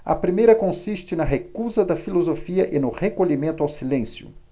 a primeira consiste na recusa da filosofia e no recolhimento ao silêncio